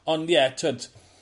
Ond ie t'wod